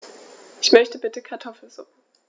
Ich möchte bitte Kartoffelsuppe.